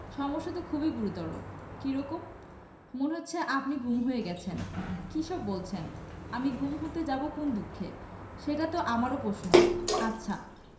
সমস্যা তো খুবই গুরুতর কী রকম মনে হচ্ছে আপনি গুম হয়ে গেছেন কী সব বলছেন আমি গুম হতে যাব কোন দুঃখে সেটা তো আমারও প্রশ্ন আচ্ছা